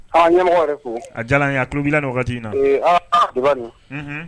An ka ɲɛmɔgɔ yɛrɛ fo. A diyala an ye a tulo b'i la ni wagati in na. Ee aw ka débat in, Unhun